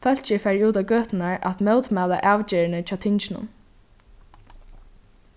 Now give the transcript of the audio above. fólkið er farið út á gøturnar at mótmæla avgerðini hjá tinginum